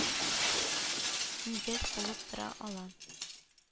Нигез булып тора ала.